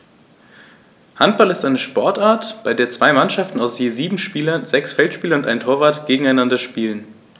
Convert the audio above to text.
Handball ist eine Sportart, bei der zwei Mannschaften aus je sieben Spielern (sechs Feldspieler und ein Torwart) gegeneinander spielen.